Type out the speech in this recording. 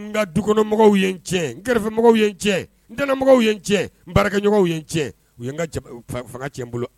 N ka dukɔnɔmɔgɔw ye n cɛ n kɛrɛfɛmɔgɔw ye n cɛ ntɛnɛnɛnɛmɔgɔ ye n cɛ baarakɛmɔgɔ ye n cɛ u ye n ka fanga cɛ n bolo